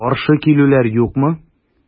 Каршы килүләр юкмы?